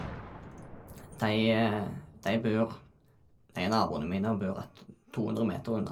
de de bor De er naboene mine og bor rett to hundre meter unna.